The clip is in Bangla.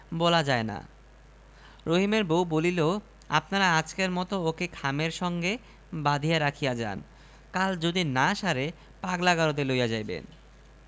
কেহ কখনো শোলমাছ ধরিতে পারে কখন তুমি আমাকে শোলমাছ আনিয়া দিলে তোমার কি মাথা খারাপ হইয়াছে তখন রহিমের মাথায় রাগের আগুন জ্বলিতেছে